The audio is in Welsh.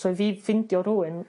So i fi ffindio rywun